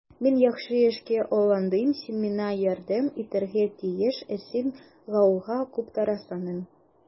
Мин яхшы эшкә алындым, син миңа ярдәм итәргә тиеш, ә син гауга куптарасың.